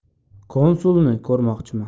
konsulni ko'rmoqchiman